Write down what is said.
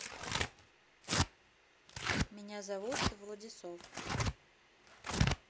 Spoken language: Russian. меня зовут владисов